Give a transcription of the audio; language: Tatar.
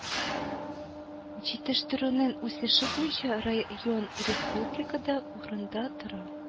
Җитештерүнең үсеше буенча район республикада урында тора